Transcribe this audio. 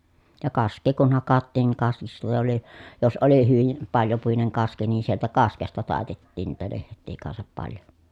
ja kaskea kun hakattiin niin kaskista tuli jos oli hyvin paljopuinen kaski niin sieltä kaskesta taitettiin niitä lehtiä kanssa paljon